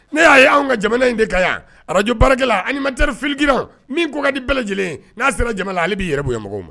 Ne y'a ye anw ka jamana in de ka yan arajo barikakɛla ari filiki min ko ka ni bɛɛ lajɛlen n'a sera jamana ale b'i yɛrɛ bɔ yemɔgɔ